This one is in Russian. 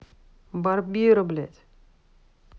barbero блядь